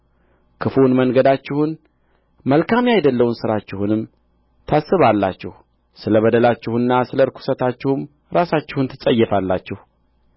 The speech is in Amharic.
ክፉውን መንገዳችሁንና መልካም ያይደለውን ሥራችሁንም ታስባላችሁ ስለ በደላችሁና ስለ ርኵሰታችሁም ራሳችሁን ትጸየፋላችሁ